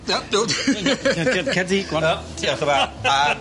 Cer di'r cer di go on. Diolch yn fawr ag